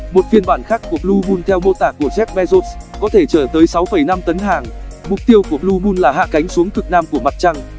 một phiên bản khác của blue moon theo mô tả của jeff bezos có thể chở tới tấn hàng mục tiêu của blue moon là hạ cánh xuống cực nam của mặt trăng